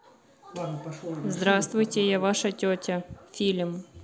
здравствуйте я ваша тетя фильм